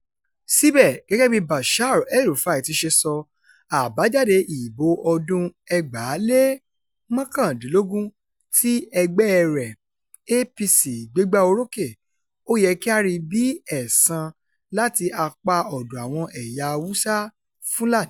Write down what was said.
Síbẹ̀, gẹ́gẹ́ bí Bashir El-Rufai ti ṣe sọ, àbájáde ìbò ọdún-un 2019 tí ẹgbẹ́ẹ rẹ̀, APC, gbégbà-orókè. Ó yẹ kí a rí i bíi “ẹ̀san” láti apá ọ̀dọ̀ àwọn ẹ̀yà Hausa, Fulani.